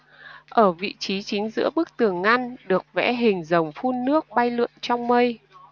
ở vị trí chính giữa bức tường ngăn được vẽ hình rông phun nước bay lượn trong mây